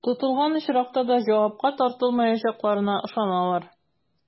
Тотылган очракта да җавапка тартылмаячакларына ышаналар.